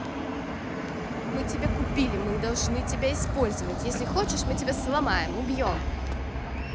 мы тебя купили мы должны тебя использовать если хочешь мы тебя сломаем убьем